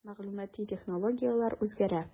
Мәгълүмати технологияләр үзгәрә.